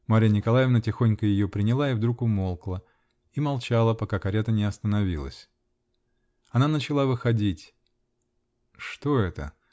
Марья Николаевна тихонько ее приняла и вдруг умолкла -- и молчала, пока карета не остановилась. Она стала выходить. Что это?